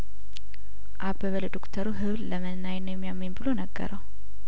አበበ ለዶክተሩ ሁለመናዬን ነው የሚያመኝ ብሎ ነገረው